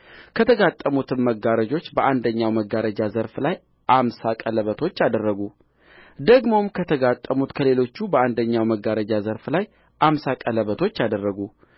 ከተጋጠሙትም መጋረጆች በአንደኛው መጋረጃ ዘርፍ ላይ አምሳ ቀለበቶች አደረጉ ደግሞ ከተጋጠሙት ከሌሎቹ በአንደኛው መጋረጃ ዘርፍ ላይ አምሳ ቀለበቶች አደረጉ